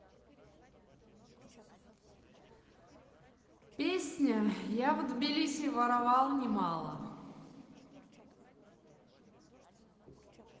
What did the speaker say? песня я в тбилиси воровал немало